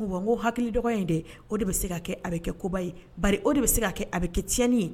Ko hakili dɔgɔ in de o de bɛ se ka kɛ a bɛ kɛ koba ba o de bɛ se ka kɛ a bɛ kɛ tiɲɛni ye